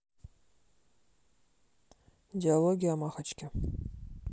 диалоги о махачке